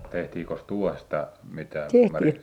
tehtiinkös tuohesta mitään -